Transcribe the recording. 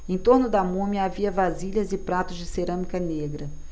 em torno da múmia havia vasilhas e pratos de cerâmica negra